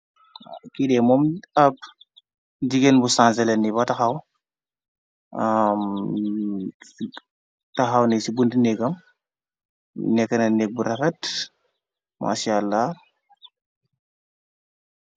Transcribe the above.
Kidee moom ab jigéen bu sanzelenni ba taxaw. Taxaw ni ci bunt nekam y nekkna nék bu rarat mociallaar.